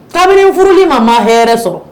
Kabini n furul'i ma n ma hɛrɛ sɔrɔ